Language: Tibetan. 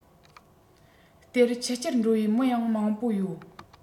དེར ཆུ རྐྱལ འགྲོ བའི མི ཡང མང པོ ཡོད